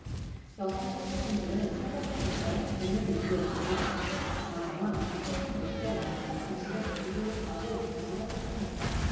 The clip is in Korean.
여성 청소년들은 성매매 대가인 돈을 요구했다가 폭행을 당하거나 숙소인 모텔 안에서 감시를 받기도 했다고 경찰은 설명했다